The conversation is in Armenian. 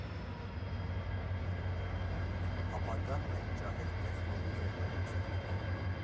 Ապագան այդ ջահել տեխնոուղեղների ձեռքում է։